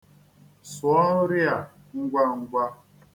Sụọ nri a ngwa ngwa.